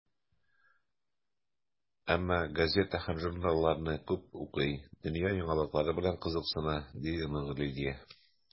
Әмма газета һәм журналларны күп укый, дөнья яңалыклары белән кызыксына, - ди оныгы Лилия.